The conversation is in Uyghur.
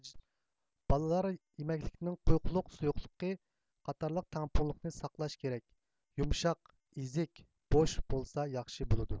بالىلار يېمەكلىكنىڭ قويۇقلۇق سۇيۇقلۇقى قاتارلىق تەڭپۇڭلۇقىنى ساقلاش كېرەك يۇمشاق ئىزىك بوش بولسا ياخشى بولىدۇ